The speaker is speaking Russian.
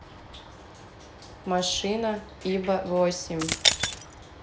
машина ibo восемь